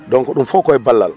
donc